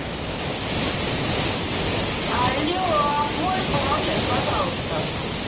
алле можешь помолчать пожалуйста